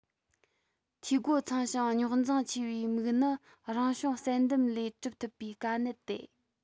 འཐུས སྒོ ཚང ཞིང རྙོག འཛིང ཆེ བའི མིག ནི རང བྱུང བསལ འདེམས ལས གྲུབ ཐུབ པའི དཀའ གནད དེ